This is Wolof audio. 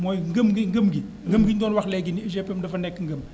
mooy ngëm gi ngëm gi ngëm gi ñu doon wax léegi ne UGPM dafa nekk ngëm